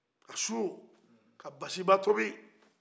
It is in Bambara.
a su ka basiba tobi